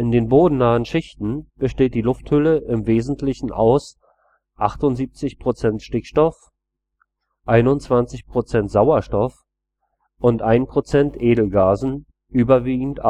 den bodennahen Schichten besteht die Lufthülle im Wesentlichen aus 78 % Stickstoff, 21 % Sauerstoff und 1 % Edelgasen, überwiegend